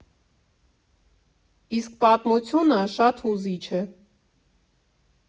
Իսկ պատմությունը շատ հուզիչ է.